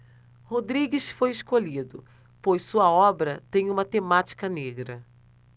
rodrigues foi escolhido pois sua obra tem uma temática negra